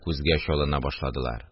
Күзгә чалына башладылар